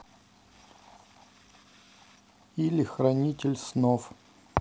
или хранитель снов